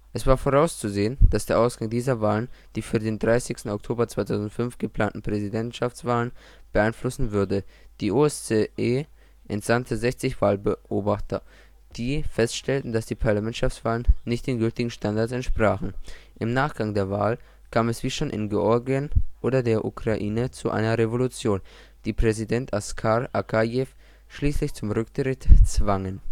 Es war vorauszusehen, dass der Ausgang dieser Wahlen die für den 30. Oktober 2005 geplanten Präsidentschaftswahlen beeinflussen würde. Die OSZE entsandte 60 Wahlbeobachter, die feststellten, dass die Parlamentswahlen nicht den gültigen Standards entsprachen. Im Nachgang der Wahl kam es, wie schon in Georgien und der Ukraine, zu einer Revolution, die Präsident Askar Akajew schließlich zum Rücktritt zwang